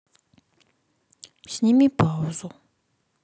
сними паузу